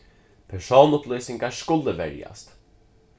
persónsupplýsingar skulu verjast